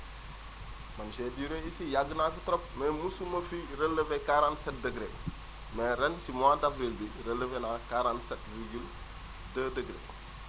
man j' ai duré ici yàgg naa fi trop mais mosuma fi relevé 47 degré mais ren si mois d' avril bi relevé naa 47 virgule 2 degré